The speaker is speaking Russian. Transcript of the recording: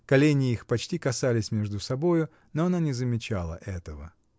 Колени их почти касались между собою, но она не замечала этого.